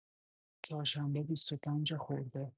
چهارشنبه ۲۵ خرداد